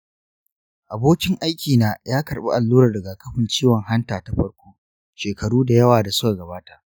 abokin aikina ya karɓi allurar rigakafin ciwon hanta ta farko shekaru da yawa da suka gabata.